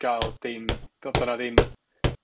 ga'l dim, go- bo' 'na ddim